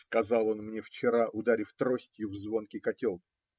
сказал он мне вчера, ударив тростью в звонкий котел.